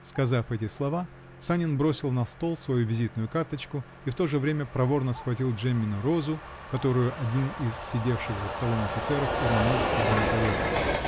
Сказав эти слова, Санин бросил на стол свою визитную карточку и в то же время проворно схватил Джеммину розу, которую один из сидевших за столом офицеров уронил к себе на тарелку.